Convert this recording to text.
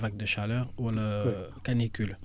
vague de chaleur wala canicule